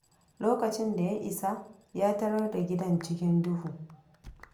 Lokacin da ya isa, ya tarar da gidan cikin duhu.